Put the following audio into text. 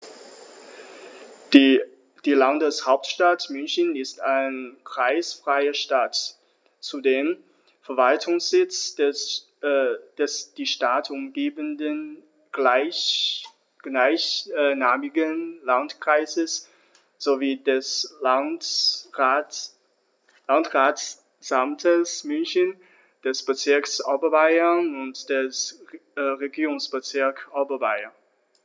Die Landeshauptstadt München ist eine kreisfreie Stadt, zudem Verwaltungssitz des die Stadt umgebenden gleichnamigen Landkreises sowie des Landratsamtes München, des Bezirks Oberbayern und des Regierungsbezirks Oberbayern.